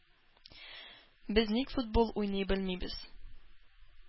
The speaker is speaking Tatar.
Без ник футбол уйный белмибез?